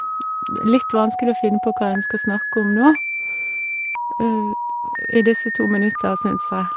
Det er litt vanskelig å finne på hva en skal snakke om nå i disse to minutta, syns jeg.